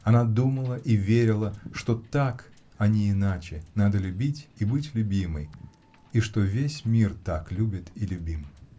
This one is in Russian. Она думала и верила, что так, а не иначе, надо любить и быть любимой и что весь мир так любит и любим.